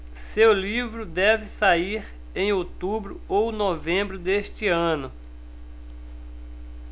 seu livro deve sair em outubro ou novembro deste ano